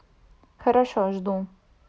хорошо жду